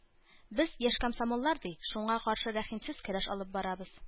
Без, яшь комсомоллар, ди, шуңар каршы рәхимсез көрәш алып барабыз.